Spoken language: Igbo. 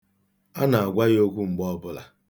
A na-agwa ya okwu mgbe ọbụla.